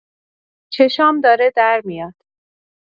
چشام داره در میاد